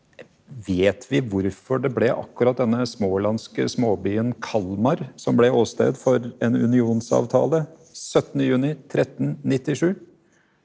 vet vi hvorfor det ble akkurat denne smålandske småbyen Kalmar som ble åsted for en unionsavtale syttende juni trettennittisju?